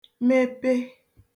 mepe